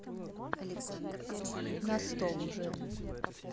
ну стол уже